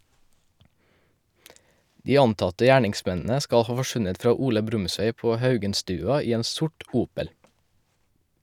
De antatte gjerningsmennene skal ha forsvunnet fra Ole Brumsvei på Haugenstua i en sort Opel.